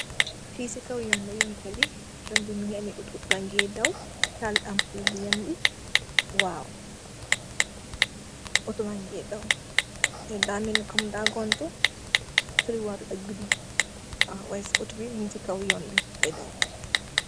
Fee se kaw yonn la yone tali, yonn be muge ame oto oto bage daw tall lampam yee waw oto bage daw da melne kom da gontu surewatul ak goudi y sa oto bi mug se kaw yonn be de daw.